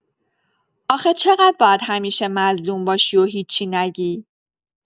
آخه چقدر باید همیشه مظلوم باشی و هیچی نگی؟